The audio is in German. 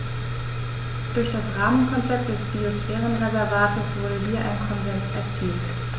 Durch das Rahmenkonzept des Biosphärenreservates wurde hier ein Konsens erzielt.